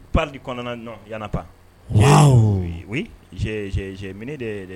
Parri kɔnɔna yanana pan minɛ de